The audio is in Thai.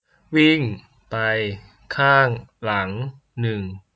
วิ่งไปข้างหลังหนึ่ง